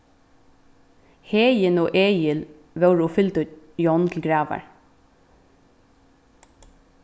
heðin og egil vóru og fylgdu john til gravar